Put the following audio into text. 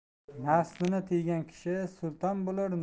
nafsini tiygan kishi sulton bo'lur